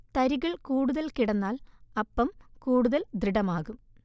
തരികൾ കൂടുതൽ കിടന്നാൽ അപ്പം കൂടുതൽ ദൃഡമാകും